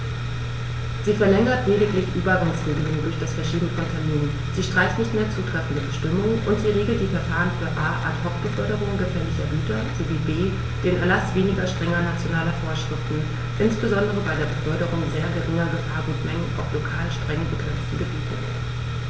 Sie verlängert lediglich Übergangsregeln durch das Verschieben von Terminen, sie streicht nicht mehr zutreffende Bestimmungen, und sie regelt die Verfahren für a) Ad hoc-Beförderungen gefährlicher Güter sowie b) den Erlaß weniger strenger nationaler Vorschriften, insbesondere bei der Beförderung sehr geringer Gefahrgutmengen auf lokal streng begrenzten Gebieten.